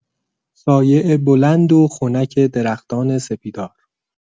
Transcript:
سایه بلند و خنک درختان سپیدار